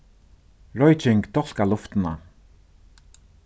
royking dálkar luftina